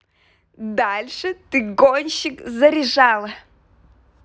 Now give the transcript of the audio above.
дальше ты гонщик заряжала